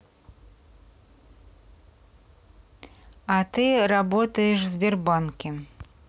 а ты работаешь в сбербанке